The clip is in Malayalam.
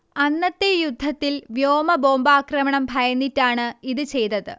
അന്നത്തെ യുദ്ധത്തിൽ വ്യോമ ബോംബാക്രമണം ഭയന്നിട്ടാണ് ഇത് ചെയ്തത്